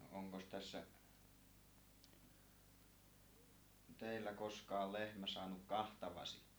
no onkos tässä teillä koskaan lehmä saanut kahta vasikkaa